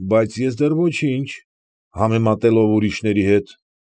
Բայց ես դեռ ոչի՛նչ, համեմատելով ուրիշների հետ։